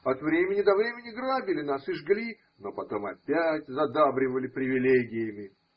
от времени до времени грабили нас и жгли, но потом опять задабривали привилегиями.